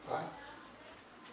waaw